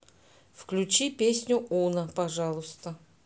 включи песню уно пожалуйста